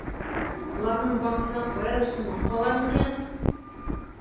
Боларның барсы да каядыр соңга кала микәнни?